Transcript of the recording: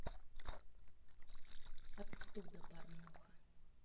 оттуда порнуха